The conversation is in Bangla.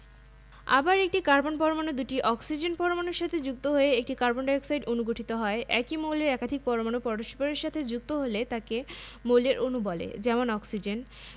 আবার একটি কার্বন পরমাণু দুটি অক্সিজেন পরমাণুর সাথে যুক্ত হয়ে একটি কার্বন ডাই অক্সাইড অণু গঠিত হয় একই মৌলের একাধিক পরমাণু পরস্পরের সাথে যুক্ত হলে তাকে মৌলের অণু বলে যেমন অক্সিজেন